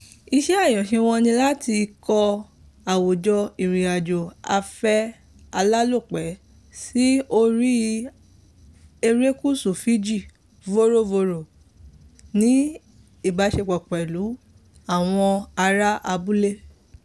Iṣẹ́ àyànṣe wọn ni láti kọ́ àwùjọ ìrìn-àjò afẹ́ alálòpẹ́ sí orí erékùsù Fiji, Vorovoro, ní ìbáṣepọ̀ pẹ̀lú àwọn ará abúlé.